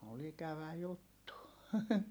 oli ikävä juttu